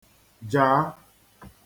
jā